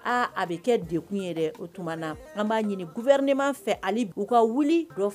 A bɛ kɛ de o tuma na an b'a ɲini guinma fɛ uu ka wuli